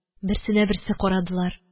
Берсенә берсе карадылар